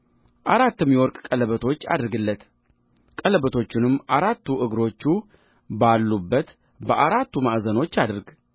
አራትም የወርቅ ቀለበቶች አድርግለት ቀለበቶቹንም አራቱ እግሮቹ ባሉበት በአራቱ ማዕዘኖች አድርግ